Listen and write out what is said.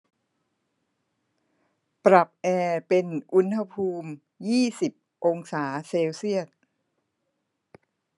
ปรับแอร์เป็นอุณหภูมิยี่สิบองศาเซลเซียส